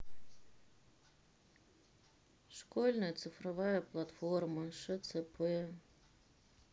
школьная цифровая платформа шцп